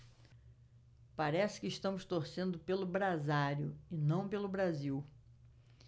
parece que estamos torcendo pelo brasário e não pelo brasil